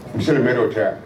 monsieur le maire o tɛ wa?